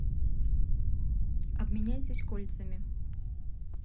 обменяйтесь кольцами